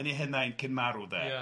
yn ei henaid cyn marw de... Ia.